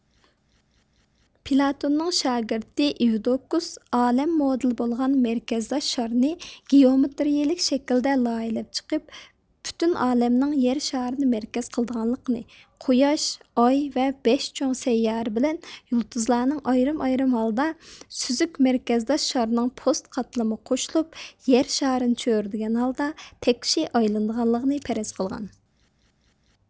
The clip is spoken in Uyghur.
پلاتوننىڭ شاگىرتى ئېۋدۇكۇس ئالەم مودېلى بولغان مەركەزداش شارنى گېئومېتىرىيىلىك شەكىلدە لايىھىلەپ چىقىپ پۈتۈن ئالەمنىڭ يەر شارىنى مەركەز قىلىدىغانلىقىنى قۇياش ئاي ۋە بەش چوڭ سەييارە بىلەن يۇلتۇزلارنىڭ ئايرىم ئايرىم ھالدا سۈزۈك مەركەزداش شارنىڭ پوست قاتلىمىغا قوشۇلۇپ يەر شارىنى چۆرىدىگەن ھالدا تەكشى ئايلىنىدىغانلىقىنى پەرەز قىلغان